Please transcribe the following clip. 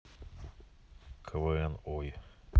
квн ой